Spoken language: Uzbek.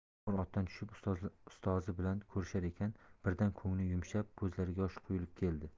bobur otdan tushib ustozi bilan ko'rishar ekan birdan ko'ngli yumshab ko'zlariga yosh quyilib keldi